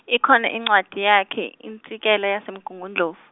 ikhona incwadi yakhe, iNkinsela yaseMgungundlov-.